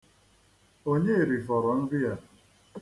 Onye rifọrọ nri a?